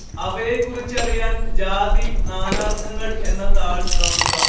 അവയെക്കുറിച്ചറിയാൻ ജാതി നാനാർത്ഥങ്ങൾ എന്ന താൾ കാണുക